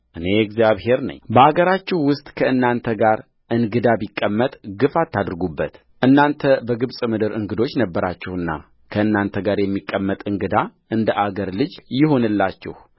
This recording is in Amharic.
እኔ እግዚአብሔር ነኝበአገራችሁ ውስጥ ከእናንተ ጋር እንግዳ ቢቀመጥ ግፍ አታድርጉበትእናንተ በግብፅ ምድር እንግዶች ነበራችሁና ከእናንተ ጋር የሚቀመጥ እንግዳ እንደ አገር ልጅ ይሁንላችሁ